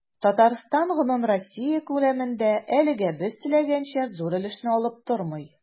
Татарстан гомумроссия күләмендә, әлегә без теләгәнчә, зур өлешне алып тормый.